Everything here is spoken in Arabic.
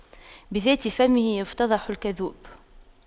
بذات فمه يفتضح الكذوب